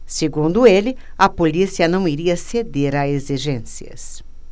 segundo ele a polícia não iria ceder a exigências